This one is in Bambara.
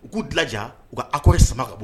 U k'u dilanja u ka akɔ ye sama ka bɔ